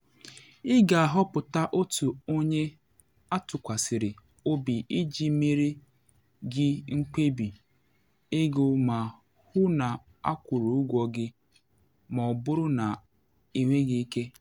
Ị ga-ahọpụta otu onye atụkwasịrị obi iji meere gị mkpebi ego ma hụ na akwụrụ ụgwọ gị ma ọ bụrụ na ị nweghị ike.